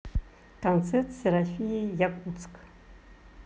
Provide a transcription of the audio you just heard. концерт серафим якутск